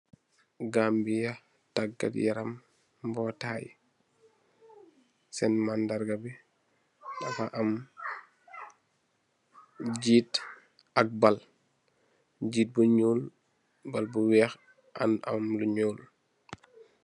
Gambia tagatt yaram mbotaay, senn mandarga bi dafa am ngiit ak ball. Ngiit bu ñuul, baal bu weeh, am am lu ñuul.